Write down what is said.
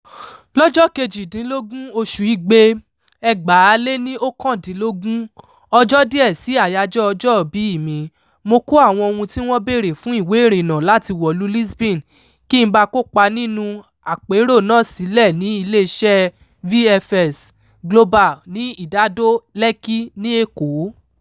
Lọ́jọ́ 18 oṣù Igbe, 2019, ọjọ́ díẹ̀ sí àyájọ́ ọjọ́ ìbíì mi, mo kó àwọn ohun tí wọn béèrè fún ìwé ìrìnnà láti wọ̀lúu Lisbon ki n ba kópa nínúu àpérò náà sílẹ̀ ní ilé-iṣẹ́ẹ VFS Global ní ìdádò Lekki, ní Èkó.